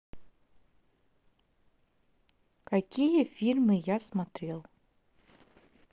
какие фильмы я смотрел